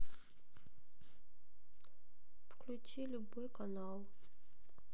включи любой канал